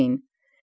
Քրիստոսի։